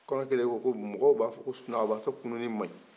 kɔrɔ e ko ko mɔgɔw b'a ko sunɔɔbaga tɔ kununi maɲi